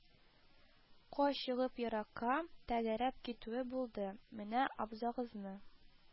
Ка чыгып еракка тәгәрәп китүе булды, «менә абзагызны